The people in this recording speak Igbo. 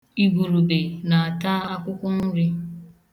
Igwurube na-ata akwụkwọnri.